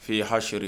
F hasri